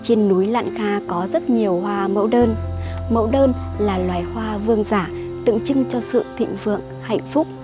trên núi lạn kha có rất nhiều hoa mẫu đơn là loài hoa vương giả tượng trưng cho sự thịnh vượng hạnh phúc